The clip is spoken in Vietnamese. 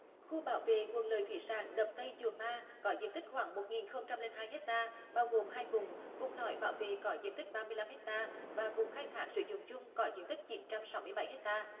khu bảo vệ nguồn lợi thủy sản đập tây chùa ma có diện tích khoảng một nghìn không trăm linh hai héc ta bao gồm hai vùng vùng lõi bảo vệ có diện tích ba mươi lăm héc ta và vùng khai thác sử dụng chung có diện tích chín trăm sáu mươi bảy héc ta